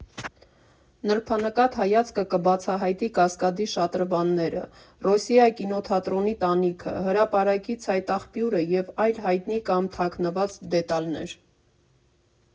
Նրբանկատ հայացքը կբացահայտի Կասկադի շատրվանները, «Ռոսիա» կինոթատրոնի տանիքը, հրապարակի ցայտաղբյուրը և այլ հայտնի կամ թաքնված դետալներ։